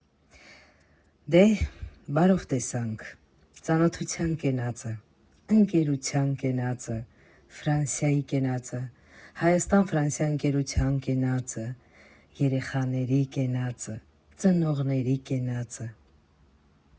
Դե, բարով տեսանք, ծանոթության կենացը, ընկերության կենացը, Ֆրանսիայի կենացը, Հայաստան֊Ֆրանսիա ընկերության կենացը, երեխաների կենացը, ծնողների կենացը…